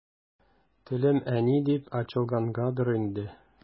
Телем «әни» дип ачылгангадыр инде.